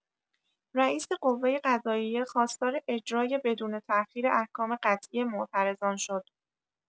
رئیس قوه‌قضائیه خواستار اجرای بدون تاخیر احکام «قطعی» معترضان شد.